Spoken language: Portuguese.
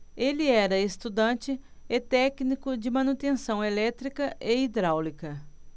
ele era estudante e técnico de manutenção elétrica e hidráulica